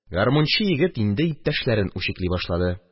Гармунчы егет инде иптәшләрен үчекли башлады: